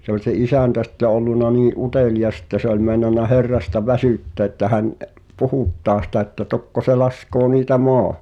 se oli se isäntä sitten ollut niin utelias että se oli meinannut Herrasta väsyttää että hän - puhuttaa sitä että tokko se laskee niitä maahan